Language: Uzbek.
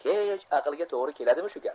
hech aqlga to'g'ri keladimi shu gap